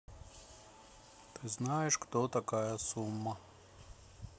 ты знаешь кто такая сумма